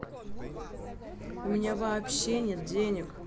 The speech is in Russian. у меня вообще нет денег